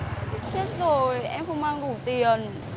chết rồi em không mang đủ tiền